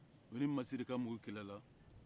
o ni masire ka mɔgɔw kɛlɛla